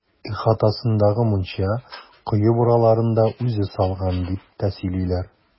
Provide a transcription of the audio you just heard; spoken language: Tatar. Ихатасындагы мунча, кое бураларын да үзе салган, дип тә сөйлиләр.